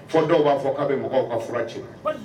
Fɔ dɔw b'a fɔ k'a bɛ mɔgɔw ka fura ci